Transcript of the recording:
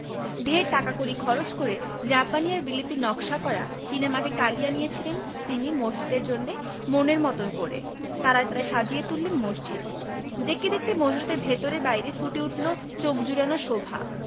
ঢের টাকাকড়ি খরচ করে জাপানি আর বিলেতী নকশা করা চীনেমাটির টালি আনিয়েছিলেন তিনি মসজিদের জন্যে মনের মতো করে তারায় তারায় সাজিয়ে তুললেন মসজিদ দেখতে দেখতে মসজিদের ভেতরে বাইরে ফুটে উঠলো চোখ জুড়োনো শোভা